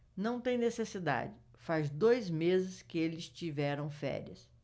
não tem necessidade faz dois meses que eles tiveram férias